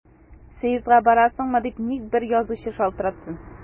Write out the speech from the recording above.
Съездга барасыңмы дип ник бер язучы шалтыратсын!